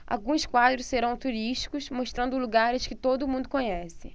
alguns quadros serão turísticos mostrando lugares que todo mundo conhece